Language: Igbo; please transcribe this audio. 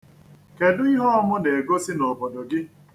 Kedu ihe ọmụ na-egosi n'obodo gị?